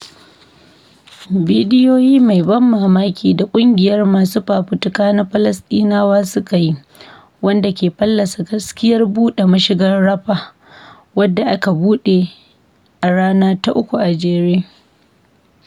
Bidiyo mai ban mamaki da ƙungiyar masu fafutuka na Falasɗinawa suka yi, wanda ke fallasa gaskiyar buɗe mashigar Rafah, wadda aka rufe a rana ta uku a jere.